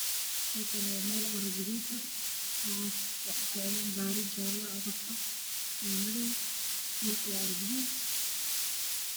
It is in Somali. Waa meel bannaan waxaa taagan cagaf cagaf jaalle ah oo ciid gureysa niman ayaa ag taagan